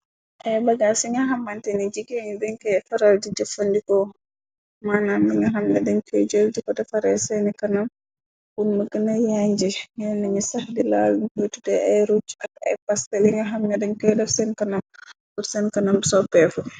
Ay bagaas ci nga xambante ni jigéeñu dañkoy faral di jëfandikoo. Mànam bi nga xam ña dañ koy jël tupate fara seeni kanam. Bun më gëna yaañje ngen lañu sax di laaluñ koy tute ay ruj. Ak ay pas te linga xamña dañ koy daf seen kanam nbur seen kanam b soppeefu.